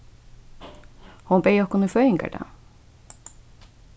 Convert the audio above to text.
hon beyð okkum í føðingardag